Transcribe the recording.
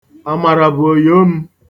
Amara bụ oyoo m.